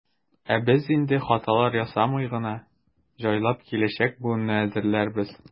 Ә без инде, хаталар ясамый гына, җайлап киләчәк буынны әзерләрбез.